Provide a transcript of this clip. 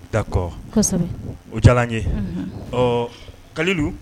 Dakɔ o diyara ye ɔ kalu